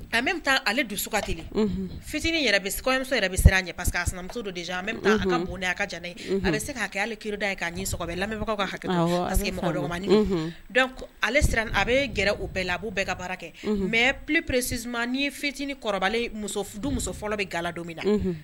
A bɛ taa ale dusu kati fitininmuso yɛrɛ bɛ siran a ɲɛ pa a sinamuso don de bɛ ka bonda a ka jan a bɛ se k'ale kida ye'abɛbagaw ka hakɛ que ale siran a bɛ gɛrɛ o bɛɛ la a b' bɛɛ ka baara kɛ mɛ ppereresi n' ye fitinin kɔrɔ du muso fɔlɔ bɛ gala don min na